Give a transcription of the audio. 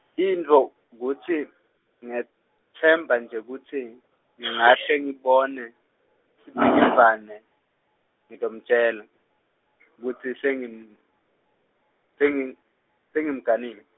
intfo kutsi ngetsemba nje kutsi ngingahle ngibone Sibhikivane ngitomtjela kutsi sengim-, sengim-, sengimganile.